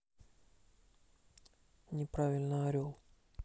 неправильно орел